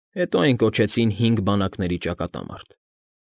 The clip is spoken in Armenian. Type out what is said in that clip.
Հետո այն կոչեցին հինգ բանակների ճակատամարտ։